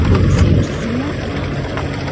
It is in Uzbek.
buni sen chizdingmi